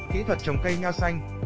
kỹ thuật trồng nho xanh